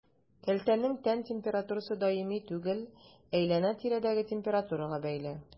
Кәлтәнең тән температурасы даими түгел, әйләнә-тирәдәге температурага бәйле.